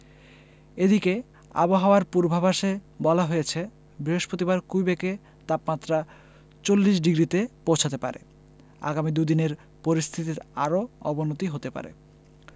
এদিকে আবহাওয়ার পূর্বাভাসে বলা হয়েছে বৃহস্পতিবার কুইবেকে তাপমাত্রা ৪০ ডিগ্রিতে পৌঁছাতে পারে আগামী দু'দিনে পরিস্থিতির আরও অবনতি হতে পারে